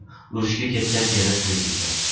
urushga ketgan eri tirik ekan